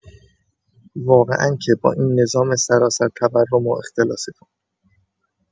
واقعا که با این نظام سراسر تورم و اختلاستون